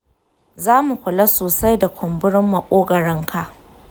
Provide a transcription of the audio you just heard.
zamu kula sosai da kumburin makogoranka.